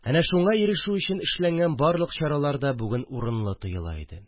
Әнә шуңа ирешү өчен эшләнгән барлык чаралар да бүген урынлы тоела иде